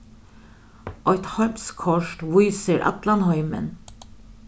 eitt heimskort vísir allan heimin